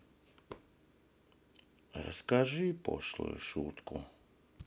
расскажи пошлую шутку